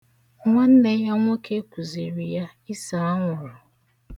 Nwanne ya nwoke kụziri ya ise anwụrụ.